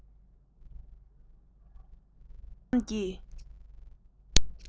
ལྷན སྐྱེས སུ ལྡན པའི